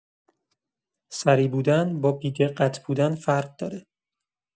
سریع بودن با بی‌دقت بودن فرق داره.